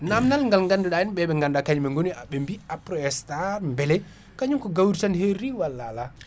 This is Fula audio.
namdal ngal ganduɗa henna ɓe ganduɗa kañum en goni ɓebi Aprostar bele kañum ko gawri tan herori walla ala